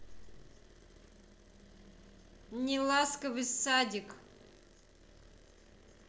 неласковый садик